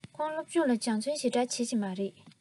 ཁོས སློབ སྦྱོང ལ སྦྱོང བརྩོན ཞེ དྲགས བྱེད ཀྱི མ རེད